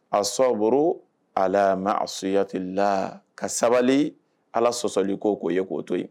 A sɔ woro a ma asoyati la ka sabali ala sɔsɔli k''o ye k'o to yen